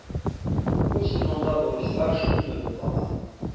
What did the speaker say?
Бу сезонга бурычлар шундый ук кала.